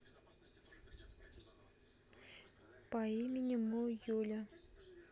по имени му юля